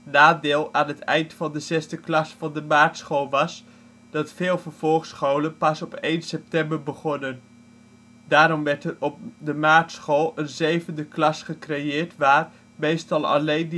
Nadeel aan het eind van de zesde klas op de maartschool was, dat veel vervolgscholen pas op 1 september begonnen. Daarom werd er op de maartschool een zevende klas gecreëerd waar - meestal alleen